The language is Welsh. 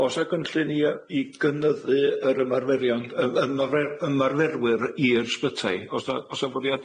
O's 'e gynllun i yy i gynyddu yr ymarferion yy ymarfer- ymarferwyr i'r sbytai. O's a o's a fwriad i-